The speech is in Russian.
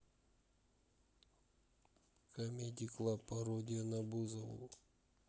камеди клаб пародия на бузову